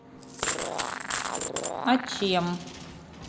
а чем